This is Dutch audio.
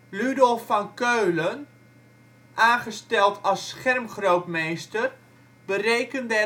Ludolf van Ceulen, aangesteld als schermgrootmeester, berekende